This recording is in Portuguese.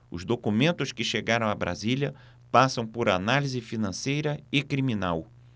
os documentos que chegaram a brasília passam por análise financeira e criminal